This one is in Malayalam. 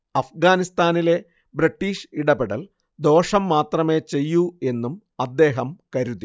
അഫ്ഗാനിസ്താനിലെ ബ്രിട്ടീഷ് ഇടപെടൽ ദോഷം മാത്രമേ ചെയ്യൂ എന്നും അദ്ദേഹം കരുതി